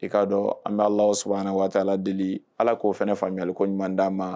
I k'a dɔn an b'a la surun waati la deli ala k'o fana ne faamuyayali ko ɲuman d ma